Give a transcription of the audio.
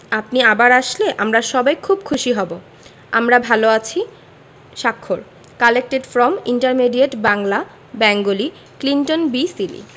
আপনি আবার আসলে আমরা সবাই খুব খুশি হব আমরা ভালো আছি স্বাক্ষর collected from intermediate Bangla Bengali Clinton B Seely